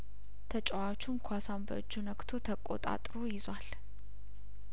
ተጫዋቹም ኳሷን በእጁ ነክቶ ተቆጣጥሮ ይዟል